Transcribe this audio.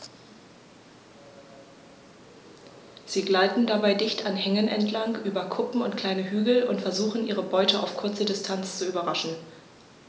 Sie gleiten dabei dicht an Hängen entlang, über Kuppen und kleine Hügel und versuchen ihre Beute auf kurze Distanz zu überraschen.